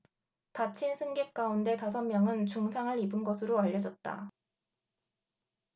다친 승객 가운데 다섯 명은 중상을 입은 것으로 알려졌다